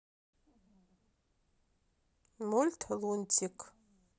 мульт лунтик